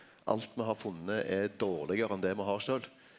alt med har funne er dårlegare enn det me har sjølv.